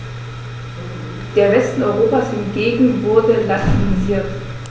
Der Westen Europas hingegen wurde latinisiert.